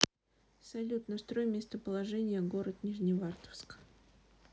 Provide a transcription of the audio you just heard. салют настрой местоположение город нижневартовск